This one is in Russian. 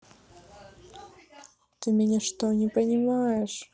ты меня что не понимаешь